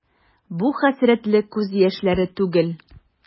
Бу хәсрәтле күз яшьләре түгел.